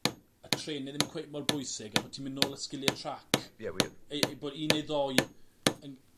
y trene ddim cweit mor bwysig a bo' ti'n mynd nôl at sgilie trac. Ie wir. Ei y bo' un neu ddoe yn